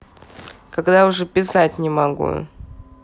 когда уже писать не могу